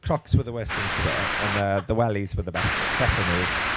Crocs were the worst things to wear, ond yy the wellies were the bes- better move.